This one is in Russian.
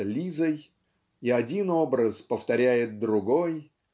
с Лизой, и один образ повторяет другой,